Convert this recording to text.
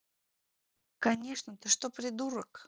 конечно ты что придурок